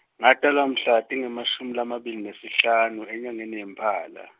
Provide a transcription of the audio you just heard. ngatalwa mhla tingemashumi lamabili nasihlanu, enyangeni yeMphala.